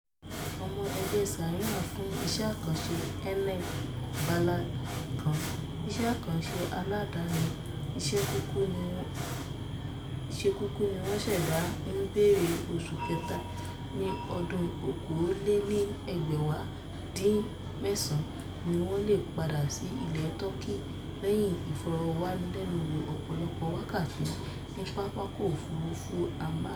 Ọmọ ẹgbẹ́ Syian fún iṣẹ́ àkànṣe Enab Baladi kan, iṣẹ́ àkànṣe aládàáni ẹsẹ̀ kùkú tí wọ́n ṣẹ̀dá ní ìbẹ̀rẹ̀ oṣù kẹta ní ọdún 2011 ni wọ́n lé padà sí ilẹ̀ Turkey lẹ́yìn Ìfọ̀rọ̀wánilẹ́nuwò ọ̀pọ̀lọpọ̀ wákàtí ní pápákọ̀ òfuurufú Amman.